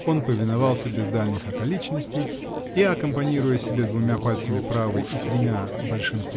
Он повиновался без дальних околичностей и, аккомпанируя себе двумя пальцами правой и тремя (большим.